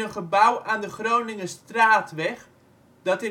gebouw aan de Groningerstraatweg dat